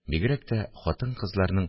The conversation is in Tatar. Бигрәк тә хатын-кызларның